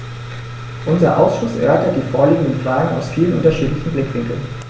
Unser Ausschuss erörtert die vorliegenden Fragen aus vielen unterschiedlichen Blickwinkeln.